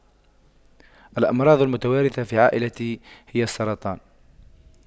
الأمراض المتوارثة في عائلتي هي السرطان